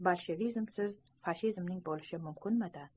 bol'shevizmsiz fashizmning bo'lishi mumkinmidi